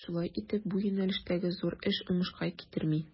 Шулай итеп, бу юнәлештәге зур эш уңышка китерми.